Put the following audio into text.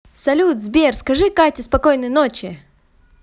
салют сбер скажи кате спокойной ночи